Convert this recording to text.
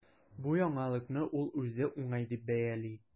Бу яңалыкны ул үзе уңай дип бәяли.